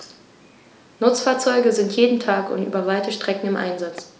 Nutzfahrzeuge sind jeden Tag und über weite Strecken im Einsatz.